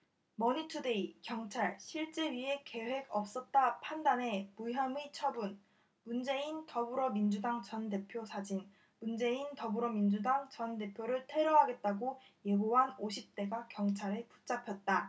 머니투데이 경찰 실제 위해 계획 없었다 판단해 무혐의 처분 문재인 더불어민주당 전 대표 사진 문재인 더불어민주당 전 대표를 테러하겠다고 예고한 오십 대가 경찰에 붙잡혔다